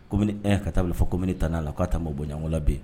Kɔmi ka taaa fɔ ko taa n'a la k'a taa bɔyangolo bɛ yen